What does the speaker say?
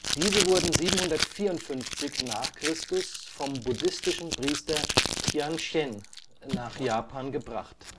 Diese wurden 754 n. Chr. vom buddhistischen Priester Jianzhen nach Japan gebracht